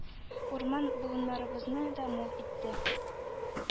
Урман-болыннарыбызны да мул итте,